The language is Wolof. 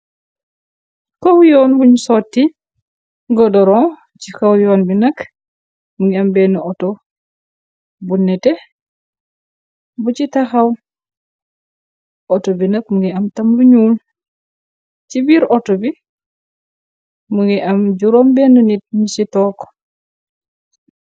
kow yoon buñ sotti godoron ci kow yoon bi nak mu ngi am bénn auto bu nete bu ci taxaw auto bi nag mu ngi am tam lu ñuul ci biir auto bi mu ngi am juróom bénn nit ñi ci took